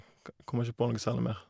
ka Kommer ikke på noe særlig mer.